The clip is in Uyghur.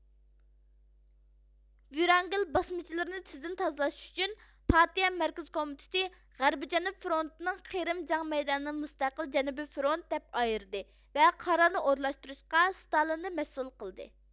ۋرانگېل باسمىچىلىرىنى تېزدىن تازىلاش ئۈچۈن پارتىيە مەركىزىي كومىتېتى غەربىي جەنۇب فرونتىنىڭ قىرىم جەڭ مەيدانىنى مۇستەقىل جەنۇبىي فرونىت دەپ ئايرىدى ۋە قارارنى ئورۇنلاشتۇرۇشقا ستالىننى مەسئۇل قىلدى